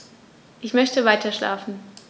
Ich möchte weiterschlafen.